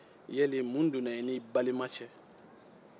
yali mun donna i n'i balima cɛ